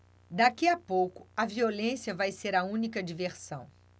daqui a pouco a violência vai ser a única diversão